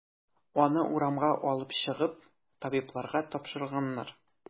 Аны урамга алып чыгып, табибларга тапшырганнар.